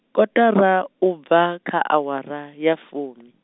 kotara ubva kha awara ya fumi.